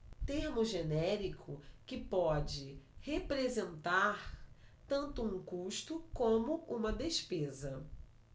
termo genérico que pode representar tanto um custo como uma despesa